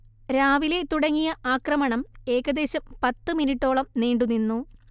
രാവിലെ തുടങ്ങിയ ആക്രമണം ഏകദേശം പത്തുമിനിട്ടോളം നീണ്ടു നിന്നു